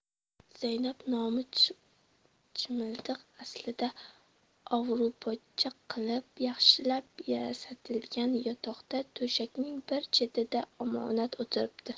zaynab nomi chimildiq aslida ovrupocha qilib yaxshilab yasatilgan yotoqda to'shakning bir chetida omonat o'tiribdi